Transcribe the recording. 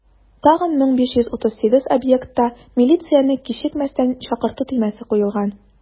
Тагын 1538 объектта милицияне кичекмәстән чакырту төймәсе куелган.